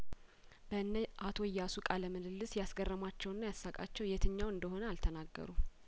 በእነ አቶ እያሱ ቃለምልልስ ያስገረማቸውና ያሳ ቃቸው የትኛው እንደሆነ አልተናገሩም